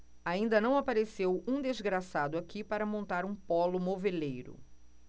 ainda não apareceu um desgraçado aqui para montar um pólo moveleiro